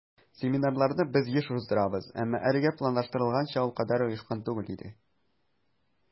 Семинарларны без еш уздырабыз, әмма әлегә планлаштырылганча ул кадәр оешкан түгел иде.